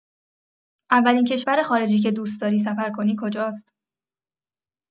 اولین کشور خارجی که دوست‌داری سفر کنی کجاست؟